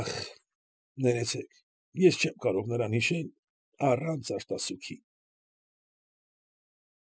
Ա՜խ, ներեցեք, ես չեմ կարող նրան հիշել առանց արտասուքի։